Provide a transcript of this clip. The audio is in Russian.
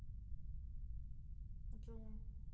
джун